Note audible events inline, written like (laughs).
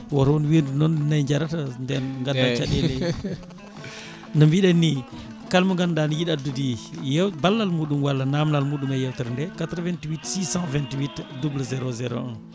woto weedu noon ne jarata nden (laughs) nden gadda caɗele no mbiɗen ni kalmo ganduɗa ne yiiɗi addude yew ballal muɗum walla namdal muɗum e yewtere nde 88 628 00 01